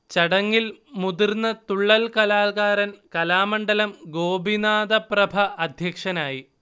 ചടങ്ങിൽ മുതിർന്ന തുള്ളൽ കലാകാരൻ കലാമണ്ഡലം ഗോപിനാഥപ്രഭ അധ്യക്ഷനായി